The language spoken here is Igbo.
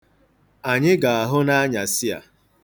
Anyị ga-ahụ n'anyasị a.